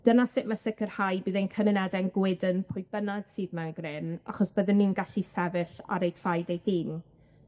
Dyna sut ma' sicirhau bydd ein cymunede'n gwydyn pwy bynnag sydd mewn grym, achos bydden ni'n gallu sefyll ar eu traed eu hun.